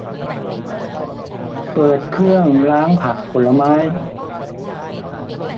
เปิดเครื่องล้างผักผลไม้